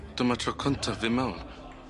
Dyma tro cyntaf fi mewn.